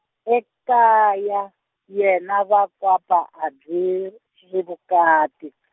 ekaya, yena vakwapa a byi , ri vukati .